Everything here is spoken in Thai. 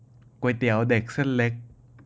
ก๋วยเตี๋ยวเด็กเส้นเล็ก